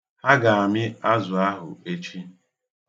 Ha ga-amị azụ ahụ echi.